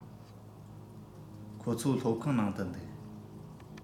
ཁོ ཚོ སློབ ཁང ནང དུ འདུག